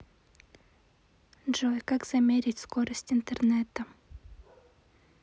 джой как замерить скорость интернета